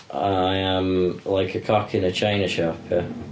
A i am like a cock in a china shop ia?